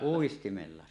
uistimella